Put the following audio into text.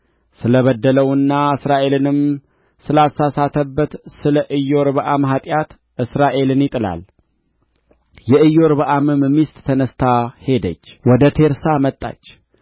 ስለ በደለውና እስራኤልንም ስላሳተበት ስለ ኢዮርብዓም ኃጢአት እስራኤልን ይጥላል የኢዮርብዓምም ሚስት ተነሥታ ሄደች ወደ ቴርሳ መጣች